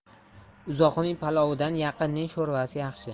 uzoqning palovidan yaqinning sho'rvasi yaxshi